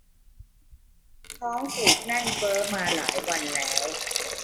ท้องผูกแน่นเฟ้อมาหลายวันแล้ว